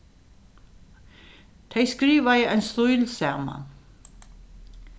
tey skrivaði ein stíl saman